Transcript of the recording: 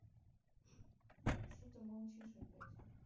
что ты молчишь опять